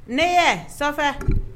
Ne ye sa